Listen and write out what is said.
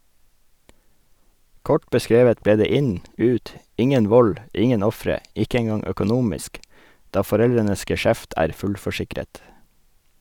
Kort beskrevet ble det inn, ut, ingen vold, ingen ofre, ikke engang økonomisk, da foreldrenes geskjeft er fullforsikret.